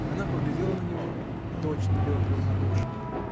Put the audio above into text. Она поглядела на него, точно ли он равнодушен.